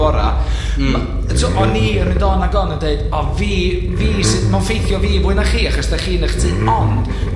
bora'. Hmm. Ma', t'o', o'n i yn mynd on ag on yn deud o fi, fi sy, ma'n 'ffeithio fi fwy na chi, achos 'dach chi yn 'ych tŷ, ond